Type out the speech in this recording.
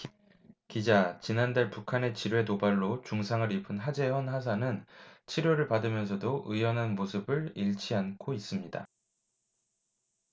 기자 지난달 북한의 지뢰 도발로 중상을 입은 하재헌 하사는 치료를 받으면서도 의연한 모습을 잃지 않고 있습니다